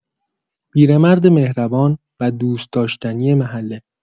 پیرمرد مهربان و دوست‌داشتنی محله